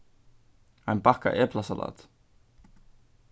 ein bakka eplasalat